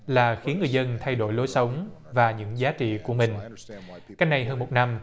là khiến người dân thay đổi lối sống và những giá trị của mình cách đây hơn một năm